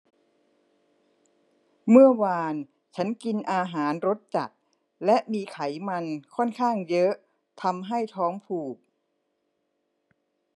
เมื่อวานฉันกินอาหารรสจัดและมีไขมันค่อนข้างเยอะทำให้ท้องผูก